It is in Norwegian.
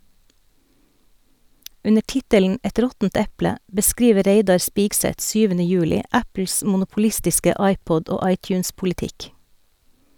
Under tittelen "Et råttent eple" beskriver Reidar Spigseth syvende juli Apples monopolistiske iPod- og iTunes-politikk.